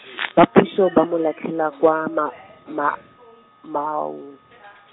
ba puso ba mo latlhela kwa Ma- Ma-, Mau- .